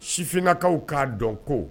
Sifininakaw k'a dɔn ko